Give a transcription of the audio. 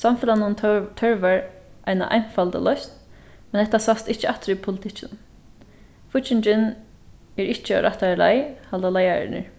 samfelagnum tørvar eina einfalda loysn men hetta sæst ikki aftur í politikkinum fíggingin er ikki á rættari leið halda leiðararnir